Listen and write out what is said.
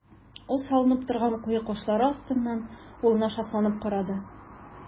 Ул салынып торган куе кашлары астыннан улына шатланып карады.